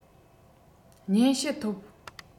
སྙན ཞུ ཐོབ